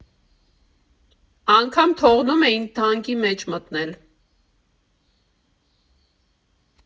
Անգամ թողնում էին տանկի մեջ մտնել։